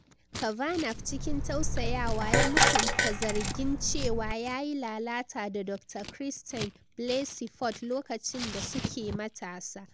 Kavanaugh cikin tausayawa ya musanta zargin cewa ya yi lalata da Dr. Christine Blasey Ford lokacin da suke matasa.